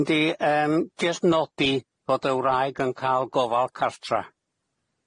Yndi yym jyst nodi fod y wraig yn ca'l gofal cartra.